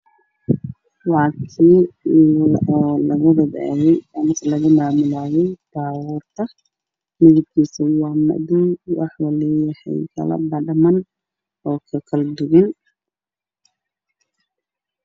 Waa gaari steering-kiisa oo midabkiisu yahay madow waxa uu leeyahay saacado